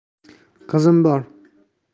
qizim bor